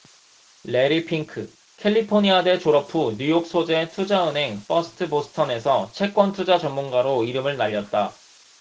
래리 핑크 캘리포니아대 졸업 후 뉴욕 소재 투자은행 퍼스트 보스턴에서 채권투자 전문가로 이름을 날렸다